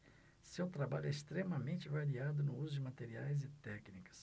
seu trabalho é extremamente variado no uso de materiais e técnicas